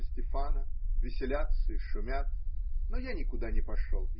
Стефана, веселятся и шумят; но я никуда не пошел.